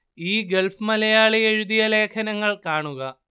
ഈ ഗൾഫ് മലയാളി എഴുതിയ ലേഖനങ്ങൾ കാണുക